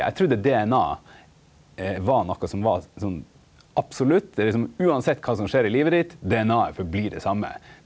eg trudde DNA var noko som var sånn absolutt det liksom uansett kva som skjer i livet ditt, DNA-et blir verande det same.